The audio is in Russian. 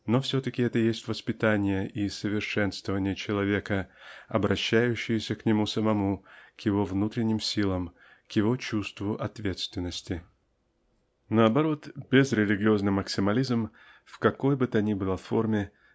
но все-таки это есть воспитание и совершенствование человека обращающееся к нему самому к его внутренним силам к его чувству ответственности. Наоборот безрелигиозный максимализм в какой бы то ни было форме